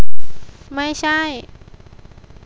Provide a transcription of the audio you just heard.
ไม่ใช่